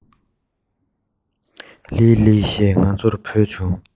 ལི ལི ཞེས ང ཚོར བོས བྱུང